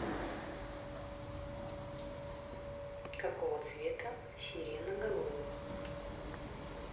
какого цвета сиреноголового